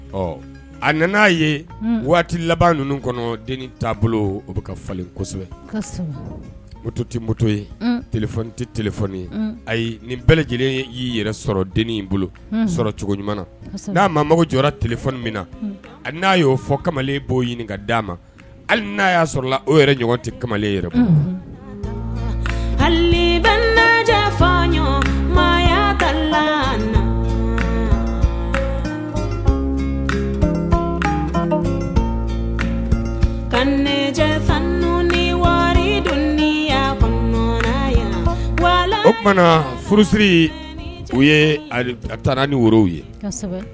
Ɔ a nana n'a ye waati laban ninnu kɔnɔ dennin t taaboloa bolo o bɛ ka falen kosɛbɛ oto teboto ye tɛ t ye ayi nin bɛɛ lajɛlen y'i yɛrɛ sɔrɔ dennin in bolo sɔrɔ cogo ɲuman na n'a mabɔ mago jɔra tf min na a n'a y'o fɔ kamalen b'o ɲininka d a ma hali n'a y'a sɔrɔ o yɛrɛ ɲɔgɔn tɛ kamalen yɛrɛ hali bɛ fa ɲɔgɔn maya ka la ka wari wala o furusiri u ye a taara ni worow ye